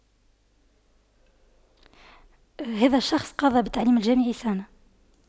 هذا الشخص قضى بالتعليم الجامعي سنة